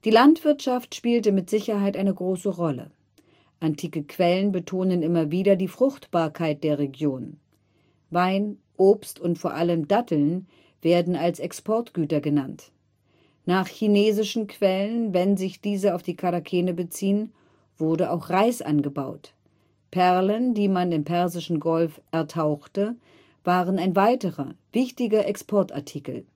Landwirtschaft spielte mit Sicherheit eine große Rolle. Antike Quellen betonen immer wieder die Fruchtbarkeit der Region. Wein, Obst und vor allem Datteln werden als Exportgüter genannt. Nach chinesischen Quellen, wenn sich diese auf die Charakene beziehen, wurde auch Reis angebaut. Perlen, die man im Persischen Golf ertauchte, waren ein weiterer wichtiger Exportartikel